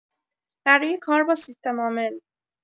برای کار با سیستم‌عامل